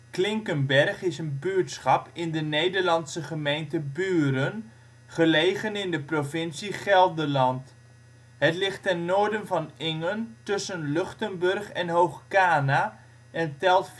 Klinkenberg is een buurtschap in de Nederlandse gemeente Buren, gelegen in de provincie Gelderland. Het ligt ten noorden van Ingen tussen Luchtenburg en Hoog Kana en telt